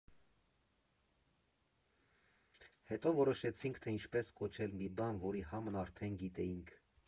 Հետո որոշեցինք, թե ինչպես կոչել մի բան, որի համն արդեն գիտեինք։